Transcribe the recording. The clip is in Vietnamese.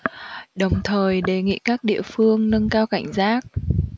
đồng thời đề nghị các địa phương nâng cao cảnh giác